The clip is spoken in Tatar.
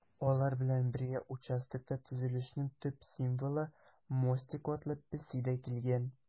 Алар белән бергә участокта төзелешнең төп символы - Мостик атлы песи дә килгән.